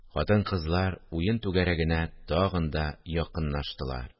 Хатын-кызлар уен түгәрәгенә тагын да якынлаштылар